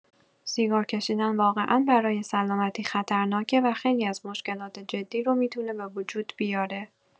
سیگار کشیدن واقعا برای سلامتی خطرناکه و خیلی از مشکلات جدی رو می‌تونه بوجود بیاره.